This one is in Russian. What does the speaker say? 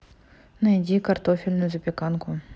найди картофельную запеканку